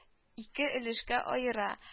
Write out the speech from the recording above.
Ике өлешкә аера